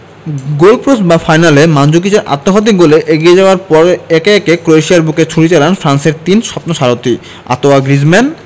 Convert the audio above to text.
গোলপ্রসবা ফাইনালে মানজুকিচের আত্মঘাতী গোলে এগিয়ে যাওয়ার পর একে একে ক্রোয়েশিয়ার বুকে ছুরি চালান ফ্রান্সের তিন স্বপ্নসারথি আঁতোয়া গ্রিজমান